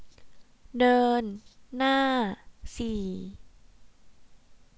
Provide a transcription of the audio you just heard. เดินหน้าสี่